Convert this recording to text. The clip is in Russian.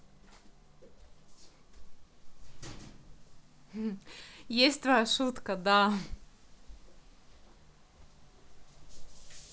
есть твоя шутка да